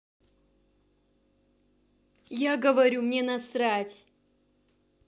я говорю мне насрать